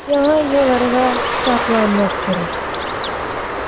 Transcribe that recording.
Яңа елларга сафланып керик.